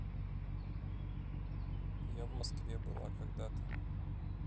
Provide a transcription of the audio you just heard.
я в москве была когда то